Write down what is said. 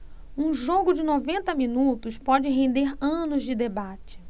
um jogo de noventa minutos pode render anos de debate